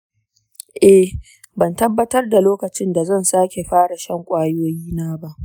eh, ban tabbatar da lokacin da zan sake fara shan kwayoyina ba.